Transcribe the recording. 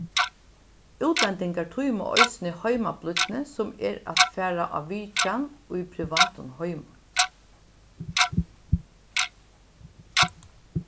útlendingar tíma eisini heimablídni sum er at fara á vitjan í privatum heimum